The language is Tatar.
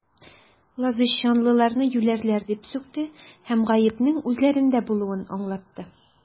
Лозищанлыларны юләрләр дип сүкте һәм гаепнең үзләрендә булуын аңлатты.